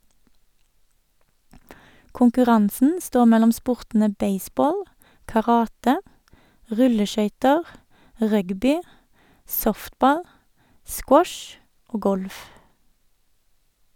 Konkurransen står mellom sportene baseball , karate , rulleskøyter, rugby , softball , squash og golf.